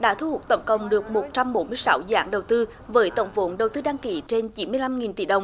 đã thu hút tổng cộng được một trăm bốn mươi sáu dạng đầu tư với tổng vốn đầu tư đăng ký trên chín mươi lăm nghìn tỷ đồng